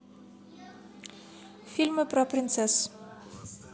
фильмы про принцесс